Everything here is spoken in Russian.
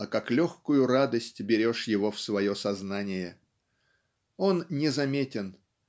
а как легкую радость берешь его в свое сознание. Он незаметен.